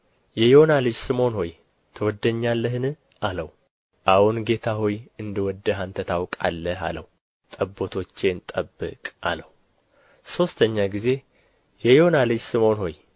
የዮና ልጅ ስምዖን ሆይ ትወደኛለህን አለው አዎን ጌታ ሆይ እንድወድህ አንተ ታውቃለህ አለው ጠቦቶቼን ጠብቅ አለው ሦስተኛ ጊዜ የዮና ልጅ ስምዖን ሆይ